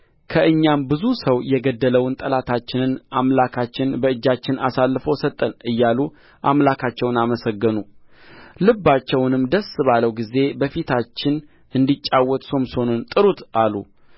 ከእኛም ብዙ ሰው የገደለውን ጠላታችንን አምላካችን በእጃችን አሳልፎ ሰጠን እያሉ አምላካቸውን አመሰገኑ ልባቸውንም ደስ ባለው ጊዜ በፊታችን እንዲጫወት ሶምሶንን ጥሩት አሉ